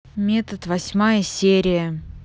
метод восьмая серия